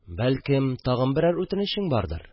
– бәлкем, тагын берәр үтенечең бардыр?..